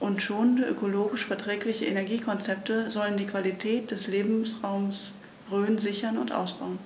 und schonende, ökologisch verträgliche Energiekonzepte sollen die Qualität des Lebensraumes Rhön sichern und ausbauen.